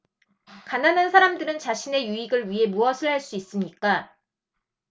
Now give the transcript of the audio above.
가난한 사람들은 자신의 유익을 위해 무엇을 할 수 있습니까